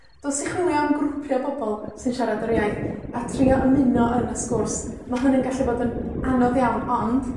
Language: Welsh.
dos i chwilio am grwpia' o bobol sy'n siarad yr iaith, a trio ymuno yn y sgwrs. Ma' hynny'n gallu bod yn anodd iawn, ond